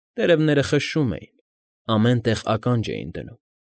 Տերևները խշշում էին, ամեն տեղ ականջ էին դնում։